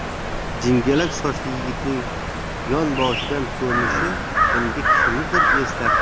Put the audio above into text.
jingalak sochli yigitning yonboshdan ko'rinishi unga kimnidir eslatdi